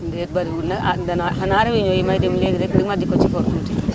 déet bëriwxul nag ah danaa xanaa réunions yi may dem léeg-léeg ma di ko ci for tuuti